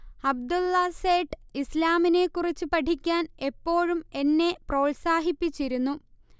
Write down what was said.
അബ്ദുള്ള സേഠ് ഇസ്ലാമിനേക്കുറിച്ച് പഠിക്കാൻ എപ്പോഴും എന്നെ പ്രോത്സാഹിപ്പിച്ചിരുന്നു